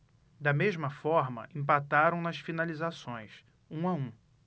da mesma forma empataram nas finalizações um a um